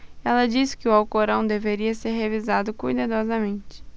ela disse que o alcorão deveria ser revisado cuidadosamente